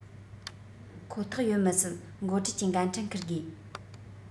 ཁོ ཐག ཡོད མི སྲིད འགོ ཁྲིད ཀྱི འགན འཁྲི འཁུར དགོས